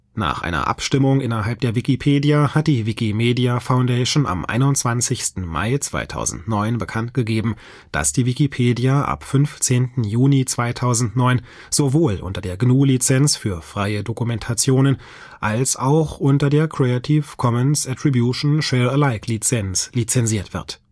Nach einer Abstimmung innerhalb der Wikipedia hat die Wikimedia Foundation am 21. Mai 2009 bekannt gegeben, dass die Wikipedia ab 15. Juni 2009 sowohl unter GNU-Lizenz für freie Dokumentationen als auch unter Creative-Commons-Attribution-ShareAlike-Lizenz (Namensnennung-Weitergabe unter gleichen Bedingungen) lizenziert wird